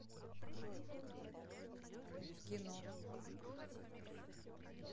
в кино